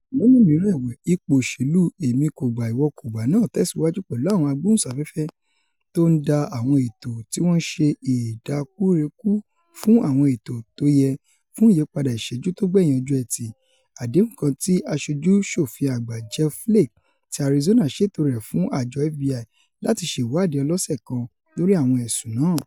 Lọ́nà mìíràn ẹ̀wẹ̀, ipò òṣèlú èmikògbà-ìwọkògbà náà tẹ̀síwájú, pẹ̀lú àwọn agbóhùnsáfẹ́fẹ́ tó ńd á àwọn èto tíwọn ńṣe ìdákúrekú fún àwọn ètò tóyẹ fún ìyípadà ìṣẹ́jú tógbẹ̀yìn ọjọ́ Ẹtì: àdéhùn kan tí Aṣojú-ṣòfin Àgbà Jeff Flake ti Arizona ṣètò rẹ̀ fún àjọ FBI láti ṣe ìwáàdí ọlọ́sẹ̀ kan lórí àwọn ẹ̀sùn náà.